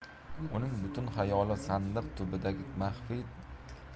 uning butun xayoli sandiq tubidagi maxfiy